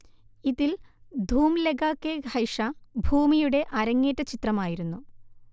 ഇതിൽ ധൂം ലഗ കെ ഹൈഷ ഭൂമിയുടെ അരങ്ങേറ്റ ചിത്രമായിരുന്നു